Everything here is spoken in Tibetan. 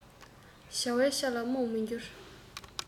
བྱ བའི ཆ ལ རྨོངས མི འགྱུར